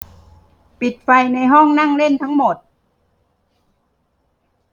ปิดไฟในห้องนั่งเล่นทั้งหมด